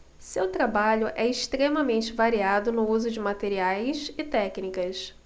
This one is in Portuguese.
seu trabalho é extremamente variado no uso de materiais e técnicas